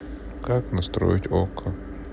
как настроить окко